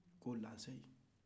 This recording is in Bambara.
ko lanseyi